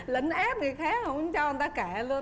lấn át người khác không cho người ta kể luôn á